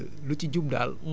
leer na nàññ